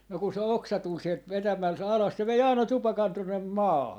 no kun se oksa tuli sieltä vetämällä alas se vei aina tupakan tuonne maahan